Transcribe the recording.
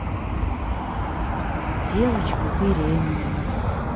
девочка беременна